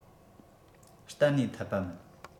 གཏན ནས འཐད པ མིན